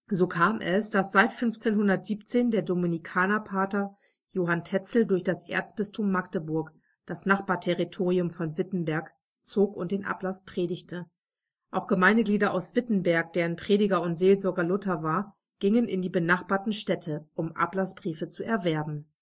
So kam es, dass seit 1517 der Dominikanerpater Johann Tetzel durch das Erzbistum Magdeburg (das Nachbarterritorium von Wittenberg) zog und den Ablass predigte. Auch Gemeindeglieder aus Wittenberg, deren Prediger und Seelsorger Luther war, gingen in die benachbarten Städte, um Ablassbriefe zu erwerben